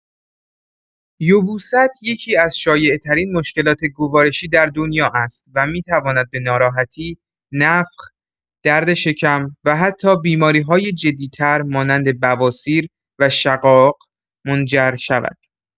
یبوست یکی‌از شایع‌ترین مشکلات گوارشی در دنیا است و می‌تواند به ناراحتی، نفخ، درد شکم و حتی بیماری‌های جدی‌تر مانند بواسیر و شقاق منجر شود.